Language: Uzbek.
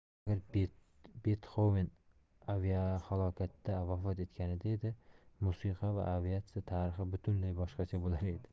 agar betxoven aviahalokatda vafot etganida edi musiqa va aviatsiya tarixi butunlay boshqacha bo'lar edi